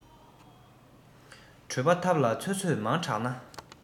གྲོད པ ཐབ ལ ཚོད ཚོད མང དྲགས ན